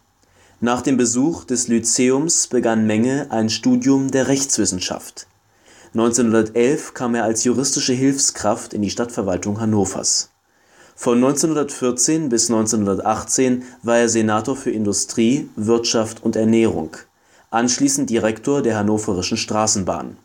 Nach dem Besuch des Lyzeums begann Menge ein Studium der Rechtswissenschaft. 1911 kam er als juristische Hilfskraft in die Stadtverwaltung Hannovers. Von 1914 bis 1918 war er Senator für Industrie, Wirtschaft und Ernährung, anschließend Direktor der hannoverschen Straßenbahn